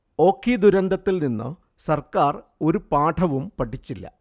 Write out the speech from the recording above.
ഓഖി ദുരന്തത്തിൽ നിന്ന് സർക്കാർ ഒരു പാഠവും പഠിച്ചില്ല